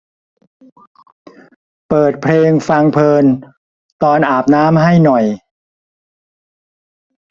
เปิดเพลงฟังเพลินตอนอาบน้ำให้หน่อย